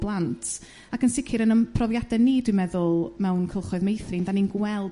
blant ac yn sicr yn yrm profiada' ni dwi'n meddwl mewn cylchoedd meithrin dan ni'n gweld